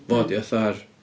Fo ydy fatha'r...